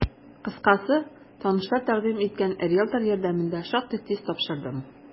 Кыскасы, танышлар тәкъдим иткән риелтор ярдәмендә шактый тиз тапшырдым.